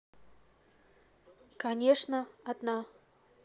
конечно одна